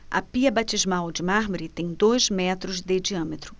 a pia batismal de mármore tem dois metros de diâmetro